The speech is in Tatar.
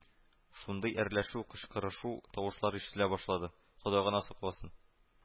Шундый әрләшү, кычкырышу тавышлары ишетелә башлады, Ходай гына сакласын